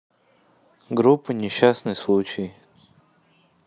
группа несчастный случай